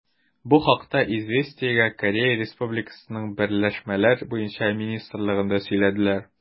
Бу хакта «Известия»гә Корея Республикасының берләшмәләр буенча министрлыгында сөйләделәр.